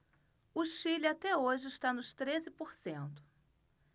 o chile até hoje está nos treze por cento